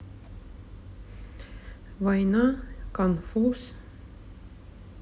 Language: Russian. война конфуз